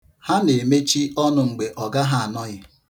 Ha na-emechi ọnụ mgbe ọga ha anọghị.